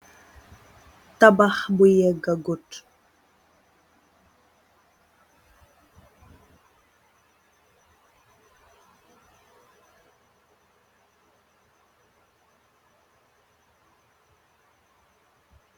Tabax bu yegagut.